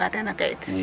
Bugaa tena kayit